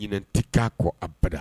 Ɲinɛ ti ka kɔ abada.